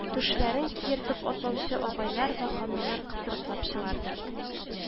Түшләрен киереп атлаучы агайлар вә ханымнар кысрыклап чыгарды